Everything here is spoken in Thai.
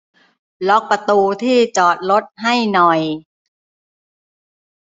ล็อคประตูที่จอดรถให้หน่อย